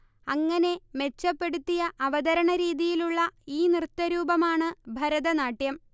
അങ്ങനെ മെച്ചപ്പെടുത്തിയ അവതരണരീതിയിലുള്ള ഈ നൃത്തരൂപമാണ് ഭരതനാട്യം